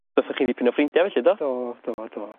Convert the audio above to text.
Dathoch chi ddipyn o ffrindie felly do? Do do do.